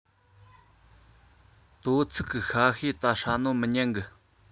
དོ ཚིགས གི ཤ ཤེད ད ཧྲ ནོ མི ཉན གི